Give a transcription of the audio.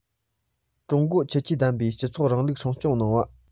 ཀྲུང གོའི ཁྱད ཆོས ལྡན པའི སྤྱི ཚོགས རིང ལུགས སྲུང སྐྱོང གནང བ